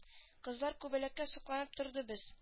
Кызлар күбәләккә сокланып торды без